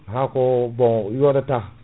haako bon yoɗata